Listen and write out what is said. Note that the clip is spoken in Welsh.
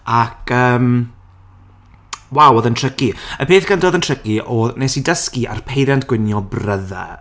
ac yym waw, odd e'n tricky. Y peth gyntaf odd yn tricky oedd, wnes i dysgu ar peiriant gwnïo Brother.